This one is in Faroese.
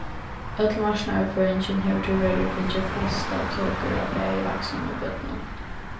øll marknaðarføringin hevur tíverri fingið fastatøkur á bæði vaksnum og børnum